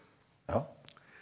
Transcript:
ja.